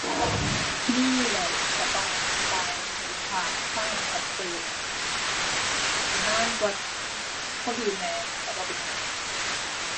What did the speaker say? มีแล้วก็ต้องอธิบายให้ลูกค้าฟังให้ชัดเจน อาจ อาจสินานกว่าคนอื่นแหน่ แต่บ่เป็นหยัง